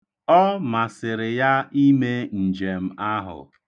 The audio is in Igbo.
Ọ masịrị ya ịga njem ahụ.